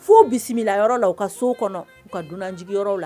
Fo bisimila yɔrɔ la u ka sow kɔnɔ u ka dunanj yɔrɔ la